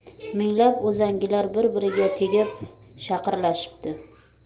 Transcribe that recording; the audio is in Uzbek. minglab uzangilar bir biriga tegib shaqirlashibdi